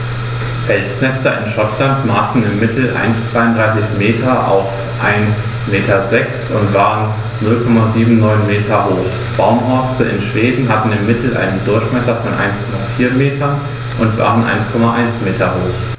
Felsnester in Schottland maßen im Mittel 1,33 m x 1,06 m und waren 0,79 m hoch, Baumhorste in Schweden hatten im Mittel einen Durchmesser von 1,4 m und waren 1,1 m hoch.